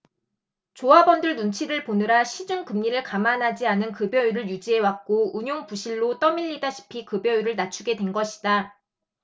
조합원들 눈치를 보느라 시중 금리를 감안하지 않은 급여율을 유지해왔고 운용 부실로 떠밀리다시피 급여율을 낮추게 된 것이다